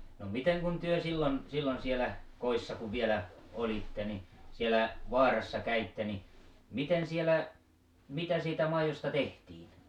no miten kun te silloin silloin siellä kodissa kun vielä olitte niin siellä vaarassa kävitte niin miten siellä mitä siitä maidosta tehtiin